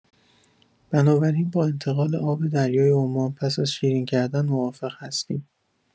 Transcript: بنابراین با انتقال آب دریای عمان پس از شیرین کردن موافق هستیم.